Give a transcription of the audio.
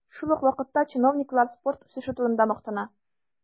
Шул ук вакытта чиновниклар спорт үсеше турында мактана.